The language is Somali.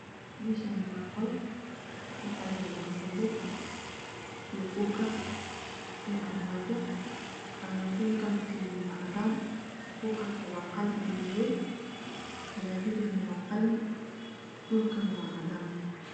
Meeshaani waa qol waxaa yaale qasaalad kuukar iyo armaajo armaajada kalarkeeda wa cadaan kuukarka waa qalin iyo madow talaajadana waa qalin dhulkana waa cadaan